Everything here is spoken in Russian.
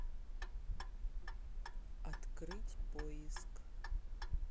открыть поиск